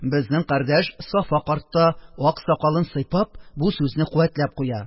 Безнең кардәш Сафа карт та, ак сакалын сыйпап, бу сүзне куәтләп куя: